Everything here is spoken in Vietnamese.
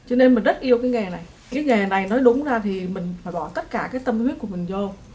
cho nên mình rất yêu cái nghề này cái nghề này nói đúng ra thì mình phải bỏ tất cả cái tâm huyết của mình vô